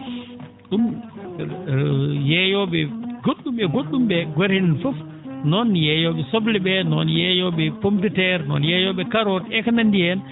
?um yeeyoo?e go??um e go??um ?ee gooto heen fof noon yeeyoo?e soble ?ee noon yeeyoo?e pomme de terre noon yeeyoo?e carotte e ko nanndi heen